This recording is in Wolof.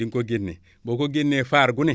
di nga ko génnee boo ko génnee faar gu ne